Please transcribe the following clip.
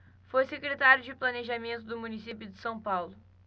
foi secretário de planejamento do município de são paulo